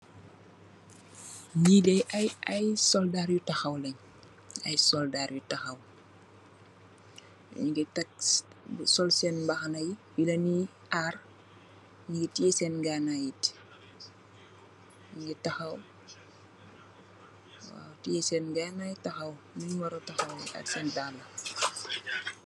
Nyi deh i i soldarr nyu tahaw lenj, i soldarr yu tahaw nyungi tek sol sen mbahanai Yulen d arr nyungi teyeh sen nganai yit nyungi tahaw. Waw teyeh sen nganai tahaw nung wara tahaweh ak sen dala.